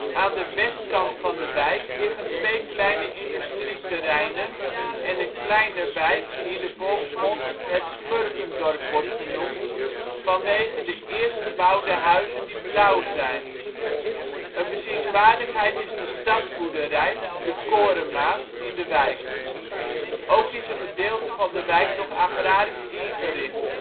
Aan de westkant van de wijk liggen twee kleine industrieterreinen en een kleine wijk die in de volksmond ' het smurfendorp ' wordt genoemd vanwege de eerstgebouwde huizen die blauw zijn. Een bezienswaardigheid is de stadsboerderij (De Korenmaat) in de wijk. Ook is een gedeelte van de wijk nog agrarisch ingericht